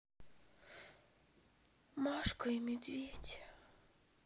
машка и медведь